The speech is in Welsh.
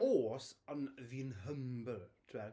Oes, ond fi'n humble, ti weld.